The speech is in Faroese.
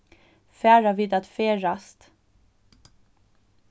fara vit at ferðast